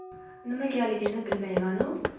nimagaligini bilmaymanu